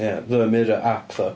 Ia, The Mirror App ddo.